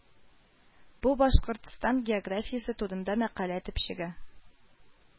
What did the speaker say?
Бу Башкортстан географиясе турында мәкалә төпчеге